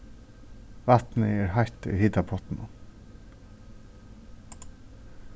vatnið er heitt í hitapottinum